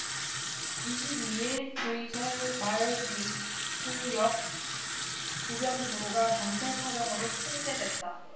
이십 이 일 브뤼셀 말베이크역 주변 도로가 경찰 차량으로 통제됐다